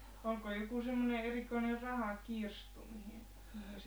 oliko joku semmoinen erikoinen rahakirstu mihin